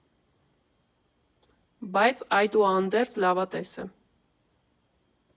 Բայց այդուհանդերձ լավատես է.